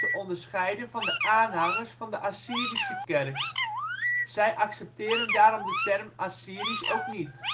onderscheiden van de aanhangers van de Assyrische Kerk. Zij accepteren daarom de term " Assyrisch " ook niet